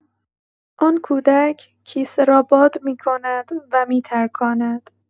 آن کودک کیسه را باد می‌کند و می‌ترکاند